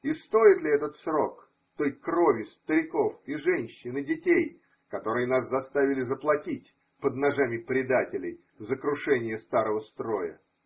И стоит ли этот срок той крови стариков, и женщин, и детей, которой нас заставили заплатить, под ножами предателей, за крушение старого строя?